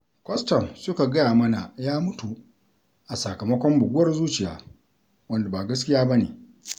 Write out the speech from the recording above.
Kwastam suka gaya mana ya mutu a sakamakon buguwar zuciya, wanda ba gaskiya ba ne.